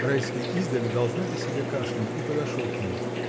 Райский издали дал знать о себе кашлем и подошел к ней.